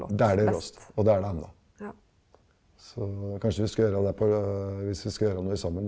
det er det råeste, og det er det enda så kanskje vi skal gjøre det på hvis vi skal gjøre noe i sammen.